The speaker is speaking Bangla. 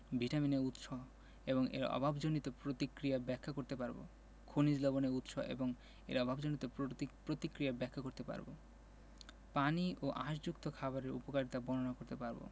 ভিটামিনের উৎস এবং এর অভাবজনিত প্রতিক্রিয়া ব্যাখ্যা করতে পারব খনিজ লবণের উৎস এবং এর অভাবজনিত প্রতিক্রিয়া ব্যাখ্যা করতে পারব পানি ও আশযুক্ত খাবারের উপকারিতা বর্ণনা করতে পারব